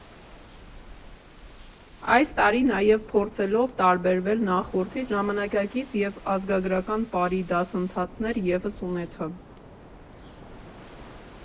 Այս տարի նաև, փորձելով տարբերվել նախորդից, ժամանակակից և ազգագրական պարի դասընթացներ ևս ունեցան։